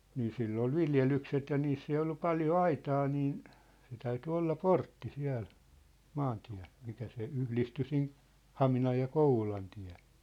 niin sillä oli viljelykset ja niissä ei ollut paljon aitaa niin se täytyi olla portti siellä maantiellä mikä se yhdistyi sinne Haminan ja Kouvolan tiehen